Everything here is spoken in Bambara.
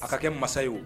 A ka kɛ masa ye wo.